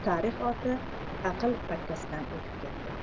tarix oti aql pakkasidan o'tib ketdi